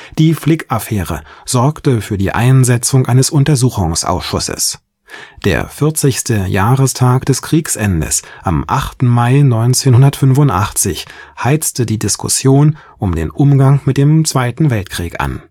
Die Flick-Affäre sorgte für die Einsetzung eines Untersuchungsausschusses. Der 40. Jahrestag des Kriegsendes am 8. Mai 1985 heizte die Diskussion um den Umgang mit dem Zweiten Weltkrieg an